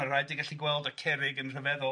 Ma'n rhaid i ti gallu gweld y cerrig yn rhyfeddol.